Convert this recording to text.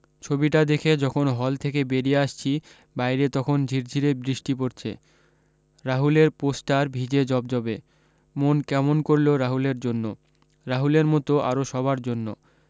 ছবিটা দেখে যখন হল থেকে বেরিয়ে আসছি বাইরে তখন ঝিরঝিরে বৃষ্টি পড়ছে রাহুলের পোষ্টার ভিজে জবজবে মন কেমন করলো রাহুলের জন্য রাহুলের মতো আরও সবার জন্য